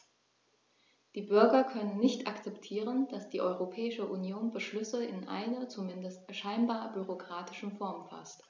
Die Bürger können nicht akzeptieren, dass die Europäische Union Beschlüsse in einer, zumindest scheinbar, bürokratischen Form faßt.